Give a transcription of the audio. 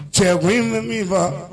Cɛkun bɛ min faga